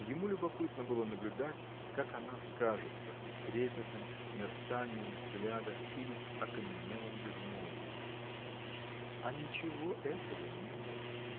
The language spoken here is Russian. Ему любопытно было наблюдать, как она скажется: трепетом, мерцанием взгляда или окаменелым безмолвием. А ничего этого не было.